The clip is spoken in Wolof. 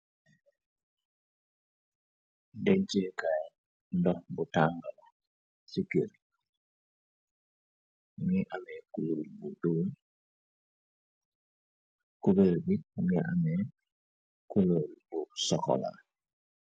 delceekaay ndox bu tangana ci Kerr migi amée kur bu domcubel bi mnigi amée cuber bu sokola.